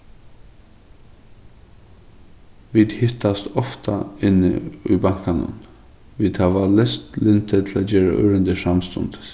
vit hittast ofta inni í bankanum vit hava lyndi til at gera ørindir samstundis